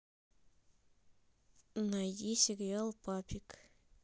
найди сериал папик